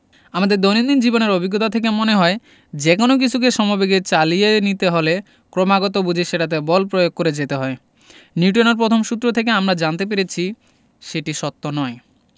আমাদের দৈনন্দিন জীবনের অভিজ্ঞতা থেকে মনে হয় যেকোনো কিছুকে সমবেগে চালিয়ে নিতে হলে ক্রমাগত বুঝি সেটাতে বল প্রয়োগ করে যেতে হয় নিউটনের প্রথম সূত্র থেকে আমরা জানতে পেরেছি সেটি সত্য নয়